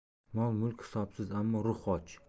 mol mulk hisobsiz ammo ruh och